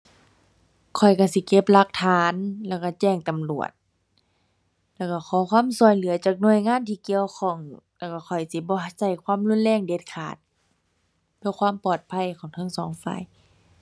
ข้อยก็สิเก็บหลักฐานแล้วก็แจ้งตำรวจ แล้วก็ขอความก็เหลือจากหน่วยงานที่เกี่ยวข้อง แล้วก็ข้อยสิบ่ก็ความรุนแรงเด็ดขาด เพื่อความปลอดภัยของทั้งสองฝ่าย